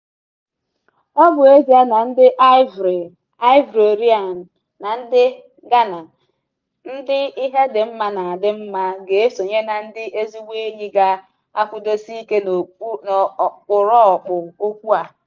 Ọ bụ ezie na ndị Ivorị (Ivorians) na ndị Gana, ndị ihe dị mmá na-adị mma ga-esonye na ndị ezigbo enyi ga-akwụdosiike n'ọkpụrụkpụ okwu a.